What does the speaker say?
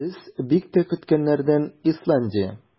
Без бик тә көткәннәрдән - Исландия.